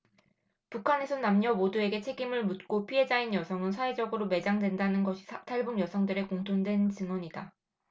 북한에선 남녀 모두에게 책임을 묻고 피해자인 여성은 사회적으로 매장된다는 것이 탈북 여성들의 공통된 증언이다